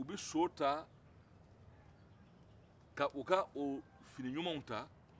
u bɛ so ta k'u k'o fini ɲumanw ta